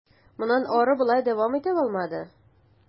Моннан ары болай дәвам итә алмады.